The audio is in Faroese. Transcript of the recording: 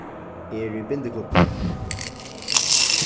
eg eri í bindiklubba